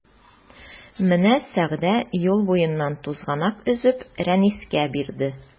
Менә Сәгъдә юл буеннан тузганак өзеп Рәнискә бирде.